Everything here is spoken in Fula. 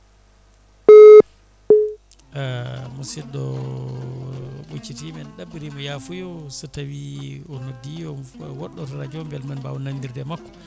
ah musidɗo o ɓoccitima en ɗaɓɓirimo yafuya so tawi o noddi o woɗɗoto radio o beele men mbaw nandirde makko